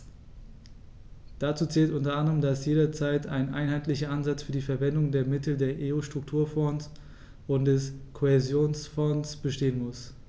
Dazu zählt u. a., dass jederzeit ein einheitlicher Ansatz für die Verwendung der Mittel der EU-Strukturfonds und des Kohäsionsfonds bestehen muss.